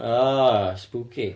Aa, spooky.